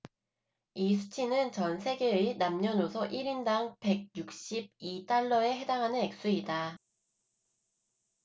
이 수치는 전 세계의 남녀노소 일 인당 백 육십 이 달러에 해당하는 액수이다